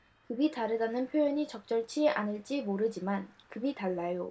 급이 다르다는 표현이 적절치 않을지 모르지만 급이 달라요